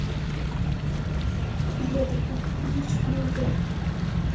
аллегрова мальчик молодой